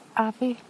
A fi.